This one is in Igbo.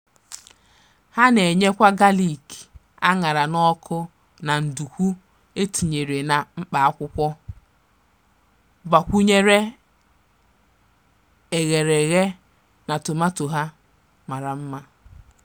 Ha na-enyekwa galik a ṅara n'ọkụ na ndukwu etinyere na mkpaakwụkwọ, gbakwunyere eghereghe na tomato ha mara mma.